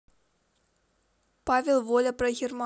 павел воля про германию